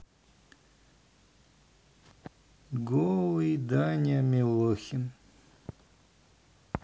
голый даня милохин